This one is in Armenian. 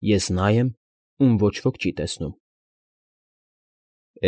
Ես նա եմ, ում ոչ ոք չի տեսնում։ ֊